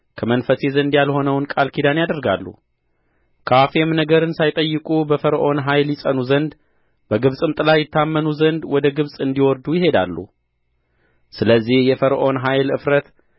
ከመንፈሴ ዘንድ ያልሆነውን ቃል ኪዳን ያደርጋሉ ከአፌም ነገርን ሳይጠይቁ በፈርዖን ኃይል ይጸኑ ዘንድ በግብጽም ጥላ ይታመኑ ዘንድ ወደ ግብጽ እንዲወርዱ ይሄዳሉ ስለዚህ የፈርዖን ኃይል እፍረት